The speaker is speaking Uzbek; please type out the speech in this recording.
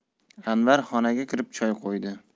anvar xonaga kirib choy qo'ydi